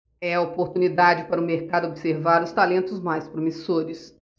é a oportunidade para o mercado observar os talentos mais promissores